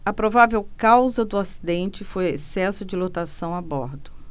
a provável causa do acidente foi excesso de lotação a bordo